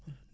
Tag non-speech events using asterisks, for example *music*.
*hesitation*